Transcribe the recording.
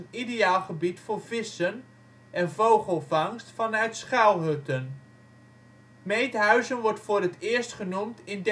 ideaal gebied voor vissen en vogelvangst vanuit schuilhutten (hutjen). Meedhuizen wordt voor het eerst genoemd in